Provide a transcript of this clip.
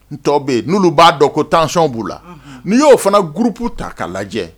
Dɔw bɛ yen n'olu b'a dɔn ko tension b'u la n'i y'o fana groupe ta ka lajɛ